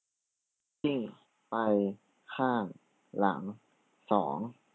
วิ่งไปข้างหลังสอง